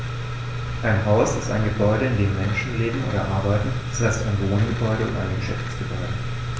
Ein Haus ist ein Gebäude, in dem Menschen leben oder arbeiten, d. h. ein Wohngebäude oder Geschäftsgebäude.